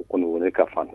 O ko ne ka fantan